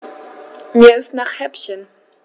Mir ist nach Häppchen.